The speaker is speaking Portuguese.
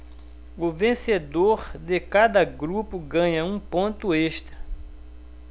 o vencedor de cada grupo ganha um ponto extra